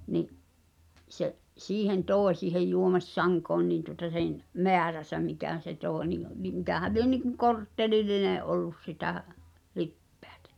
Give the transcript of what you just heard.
niin se siihen toi siihen juomissankoon niin tuota sen määränsä mikä se toi niin niin mikähän lie niin kuin korttelillinen ollut sitä lipeätä